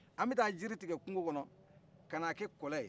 an bi taa jiri tigɛ kungo kɔnɔ kana kɛ kɔlɛ ye